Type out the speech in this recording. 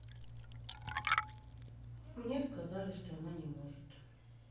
мне рассказали что она не может